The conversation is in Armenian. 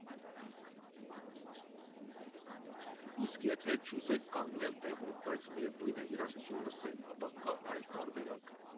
Իսկ եթե չուզեք կանգնել տեղում, բայց միևնույն է՝ երաժշտություն լսել, ապա կա այլ տարբերակ.